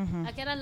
A kɛra